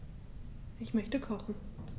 Ich möchte kochen.